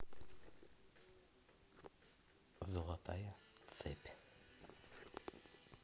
золотая цепь